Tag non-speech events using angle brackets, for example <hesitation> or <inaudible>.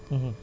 <hesitation> <hesitation>